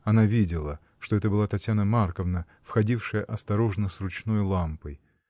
Она видела, что это была Татьяна Марковна, входившая осторожно с ручной лампой.